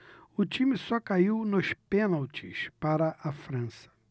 o time só caiu nos pênaltis para a frança